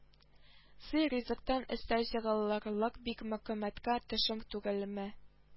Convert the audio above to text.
Сый-ризыктан өстәл сыгылырлык бик мыкыммәткә төшәм түгелме